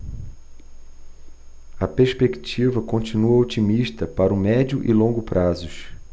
a perspectiva continua otimista para o médio e longo prazos